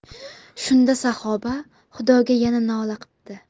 shunda saxoba xudoga yana nola qipti